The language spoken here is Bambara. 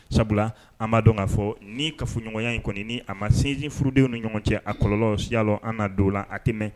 Sabula an b'a dɔn k'a fɔ ni kafoɲɔgɔnya in kɔni, a ma sinsinfurudenw ni ɲɔgɔn cɛ a kɔlɔlɔ siyala an na don o la, a tɛ mɛn